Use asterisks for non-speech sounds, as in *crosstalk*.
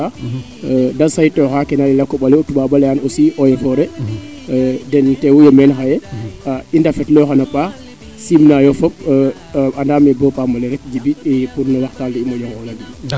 de saytooxa ke leyeena koɓale ke toubab a leyan aussi Eaux et foret den teewu yo meen xaye i ndafetlo xan a paax simnayo fop anda mee bo pamale Djiby *unintelligible*